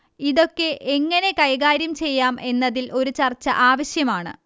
ഇതൊക്കെ എങ്ങനെ കൈകാര്യം ചെയ്യാം എന്നതിൽ ഒരു ചർച്ച ആവശ്യമാണ്